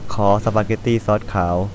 ขอสปาเก็ตตี้ซอสขาว